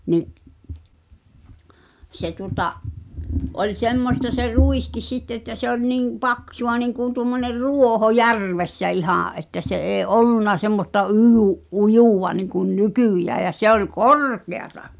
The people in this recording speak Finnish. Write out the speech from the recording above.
niin se tuota oli semmoista se ruiskin sitten että se oli niin paksua niin kuin tuommoinen ruoho järvessä ihan että se ei ollut semmoista - ujua niin kuin nykyään ja se oli korkeata